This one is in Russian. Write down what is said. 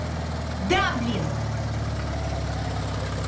да блин